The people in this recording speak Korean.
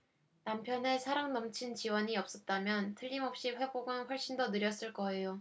남편의 사랑 넘친 지원이 없었다면 틀림없이 회복은 훨씬 더 느렸을 거예요